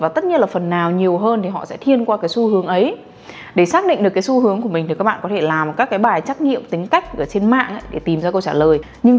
và tất nhiên là phần nào nhiều hơn thì họ sẽ thiên qua xu hướng ấy để xác định được cái xu hướng của mình thì các bạn có thể làm các bài trắc nghiệm tính cách ở trên mạng để tìm ra câu trả lời